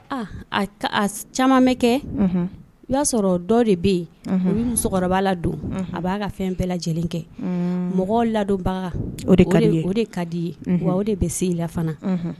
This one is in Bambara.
Camanmɛ kɛ o y'a sɔrɔ dɔ de bɛ yen n musokɔrɔba la don a b'a ka fɛn bɛɛ lajɛlen kɛ mɔgɔ ladubaga o de o de ka di ye o de bɛ se i lafana